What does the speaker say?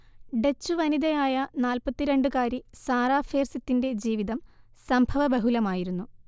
Dutch വനിതയായ നാല്‍പ്പത്തിരണ്ട് കാരി സാറാ ഫേർസിത്തിന്റെ ജീവിതം സംഭവബഹുലമായിരുന്നു